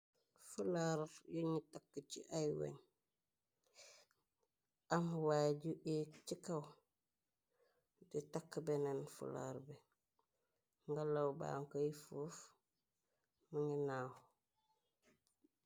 Fulawa yuñu takk ci ay weñ am waay ju ég ci kaw di takk benen fulawar bi ngalaw baankoy fuuf mu ngi naaw.